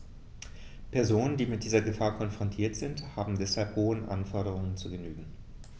Personen, die mit dieser Gefahr konfrontiert sind, haben deshalb hohen Anforderungen zu genügen.